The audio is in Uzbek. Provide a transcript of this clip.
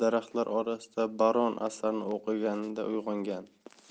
daraxtlar orasidagi baron asarini o'qiganida uyg'ongan